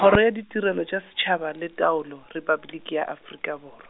kgoro ya Ditirelo tša Setšhaba le Taolo, Repabliki ya Afrika Borwa.